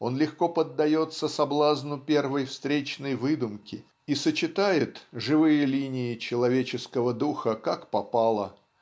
он легко поддается соблазну первой встречной выдумки и сочетает живые линии человеческого духа как попало